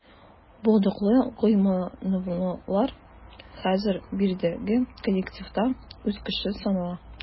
Булдыклы гыйльмановлар хәзер биредәге коллективта үз кеше санала.